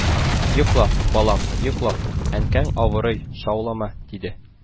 – йокла, балам, йокла, әнкәң авырый, шаулама, – диде